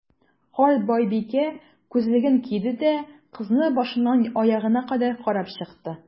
Карт байбикә, күзлеген киде дә, кызны башыннан аягына кадәр карап чыкты.